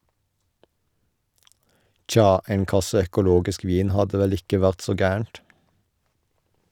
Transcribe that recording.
- Tja, en kasse økologisk vin hadde vel ikke vært så gærent.